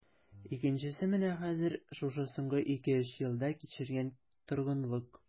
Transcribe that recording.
Икенчесе менә хәзер, шушы соңгы ике-өч елда кичергән торгынлык...